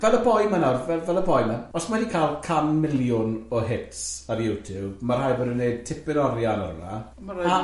Fel y boi ma nawr, fel fel y boi ma, os mae hi wedi ca'l can miliwn o hits ar YouTube, ma' rhaid bod e'n wneud tipyn o arian o hwnna.